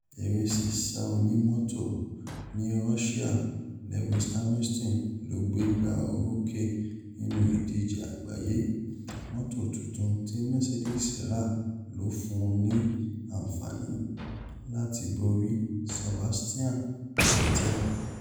Erésísáonímọ́tò ní Russia Lewis Hamilton ló gbégbá orókè nínú ìdíjẹ àgbáyé. Mọ́tò tuntun tí Mercedes ráà ló fún ní àǹfààní láti borí Sebastian Vettel.